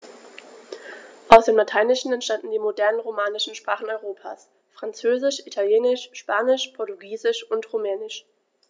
Aus dem Lateinischen entstanden die modernen „romanischen“ Sprachen Europas: Französisch, Italienisch, Spanisch, Portugiesisch und Rumänisch.